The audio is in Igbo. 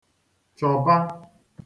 chọ̀ba